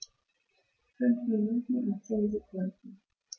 5 Minuten und 10 Sekunden